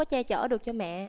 che chở được cho mẹ